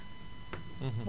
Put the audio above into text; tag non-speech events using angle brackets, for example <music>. <noise> <hesitation> <hesitation>